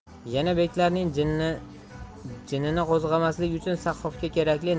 yana beklarning jinini qo'zg'amaslik uchun sahhofga kerakli